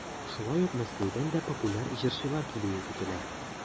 Шулай ук Мәскәүдән дә популяр җырчылар килүе көтелә.